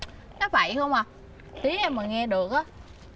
nói bậy không à tía em mà nghe được ớ